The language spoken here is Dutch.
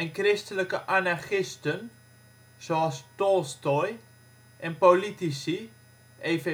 christelijke anarchisten (Tolstoj) en politici (EVP